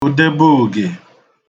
òdeboògè